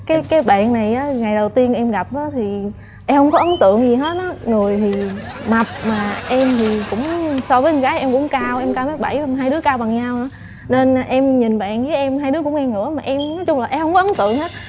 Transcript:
cái cái bạn này á ngày đầu tiên em gặp á thì em hông có ấn tượng gì hết á người thì mập mà em thì cũng so với con gái em cũng cao em cao mét bảy luôn hai đứa cao bằng nhau nữa nên em nhìn bạn dới em hai đứa cũng ngang ngửa mà em nói chung là em hông có ấn tượng gì hết